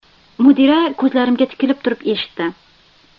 mudira ko'zlarimga tikilib turib eshitdi